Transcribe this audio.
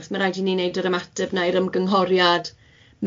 achos mae'n rhaid i ni neud yr ymateb na i'r ymgynghoriad,